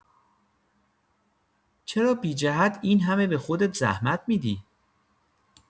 چرا بی‌جهت این‌همه به خودت زحمت می‌دی؟